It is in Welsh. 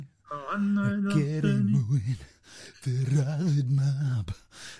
A ger